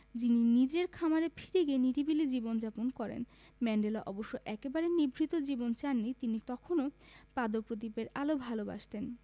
যিনি নিজের খামারে ফিরে গিয়ে নিরিবিলি জীবন যাপন করেন ম্যান্ডেলা অবশ্য একেবারে নিভৃত জীবন চাননি তিনি তখনো পাদপ্রদীপের আলো ভালোবাসতেন